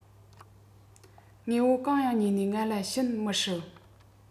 དངོས པོ གང ཡང ཉོ ནས ང ལ བྱིན མི སྲིད